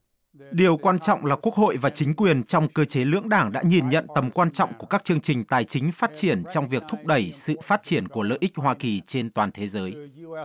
điều quan trọng là quốc hội và chính quyền trong cơ chế lưỡng đảng đã nhìn nhận tầm quan trọng của các chương trình tài chính phát triển trong việc thúc đẩy sự phát triển của lợi ích hoa kỳ trên toàn thế giới